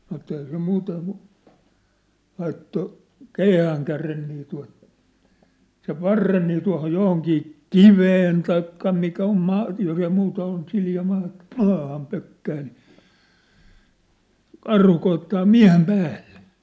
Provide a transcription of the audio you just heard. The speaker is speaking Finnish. sanoi että eihän se muuten kuin laittoi keihäänkärjen niin tuota sen varren niin tuohon johonkin kiveen tai mikä on maa jos ei muuta ole niin sileä maa maahan pökkää niin karhu koettaa miehen päälle